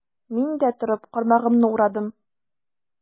Мин дә, торып, кармагымны урадым.